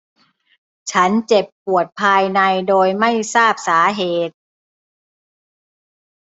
ฉันเจ็บปวดภายในโดยไม่ทราบสาเหตุ